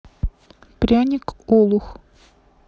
пряник олух